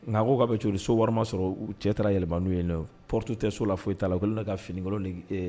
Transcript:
Nka ko ka bɛ c so warima sɔrɔ cɛ taara yɛlɛma n'u ye prtu tɛ so la foyi t' la kɛlen ka finikolon